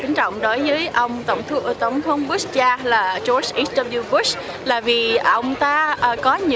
kính trọng đối dới ông tổng thư à tổng thống bút cha là chút ít tô biu chút là vì ông ta có nhửng